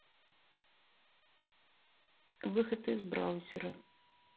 выход из браузера